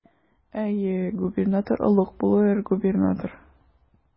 Әйе, губернатор олуг булыр, губернатор.